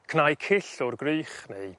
cnau cyll o'r gwrych neu